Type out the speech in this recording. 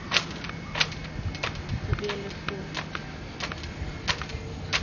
тебе лесу